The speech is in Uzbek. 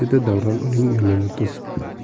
dedi davron uning yo'lini to'sib